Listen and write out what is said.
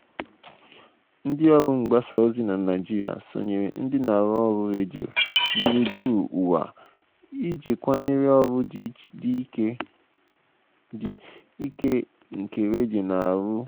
Ndị ọrụ mgbasa ozi na Naịjirịa sonyere ndị na-arụ ọrụ redio gburugburu ụwa iji kwanyere ọrụ dị ike nke redio na-arụ na mmepe ụwa.